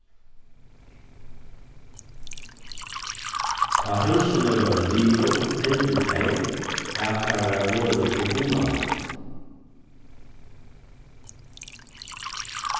tá húsini vórðu liðug hildu tey at tað varð vorðið so hugnaligt